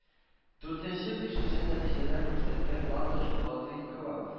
Дүртенче-бишенче нәтиҗәләр күрсәткән Ландыш Бадыйкова